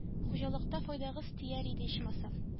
Хуҗалыкта файдагыз тияр иде ичмасам